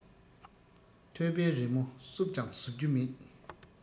ཐོད པའི རི མོ བསུབས ཀྱང ཟུབ རྒྱུ མེད